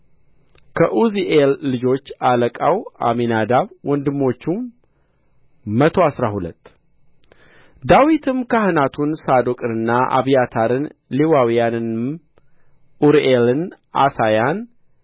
ከዑዝኤል ልጆች አለቃው አሚናዳብ ወንድሞቹም መቶ አሥራ ሁለት ዳዊትም ካህናቱን ሳዶቅንና አቢያታርን ሌዋውያንንም ኡርኤልን ዓሣያን